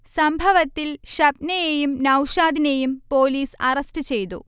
സംഭവത്തിൽ ഷബ്നയേയും നൗഷാദിനേയും പൊലീസ് അറസ്റ്റ് ചെയ്തു